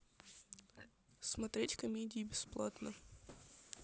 смотреть комедии бесплатно